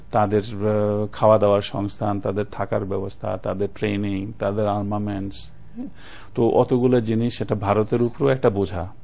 তাদের খাওয়া দাওয়ার সংস্থান তাদের থাকার ব্যবস্থা তাদের ট্রেনিং তাদের আর্মামেন্টস তো অত গুলো জিনিস এটা ভারতের উপর ও একটা বোঝা